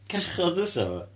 Cachod fysa fo?